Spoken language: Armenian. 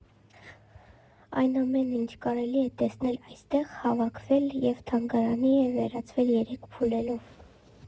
Այն ամենը, ինչ կարելի է տեսնել այստեղ, հավաքվել և թանգարանի է վերածվել երեք փուլելով։